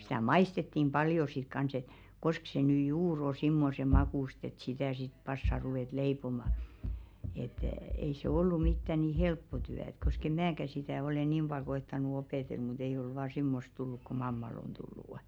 sitä maistettiin paljon sitten kanssa että koska se nyt juuri on semmoisen makuista että sitä sitten passaa ruveta leipomaan että ei se ollut mitään niin helppo työ että koska en minäkään sitä ole niin paljon koettanut opetella mutta ei ole vain semmoista tullut kuin mammalla on tullut